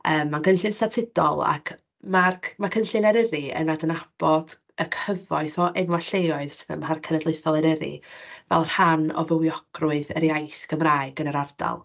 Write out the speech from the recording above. Yym ma'n cynllun statudol ac ma'r... ma' cynllun Eryri yn adnabod y cyfoeth o enwau lleoedd sydd ym Mharc Cenedlaethol Eryri, fel rhan o fywiogrwydd yr iaith Gymraeg yn yr ardal.